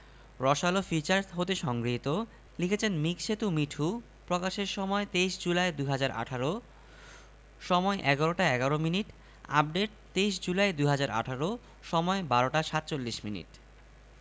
আচ্ছা কখন থেকে এমনটা হচ্ছে বলুন তো সকাল থেকে রাতে কি কিছু হয়েছিল না কিছুই হয়নি ভালো করে ভেবে দেখুন কোনো স্বপ্ন টপ্ন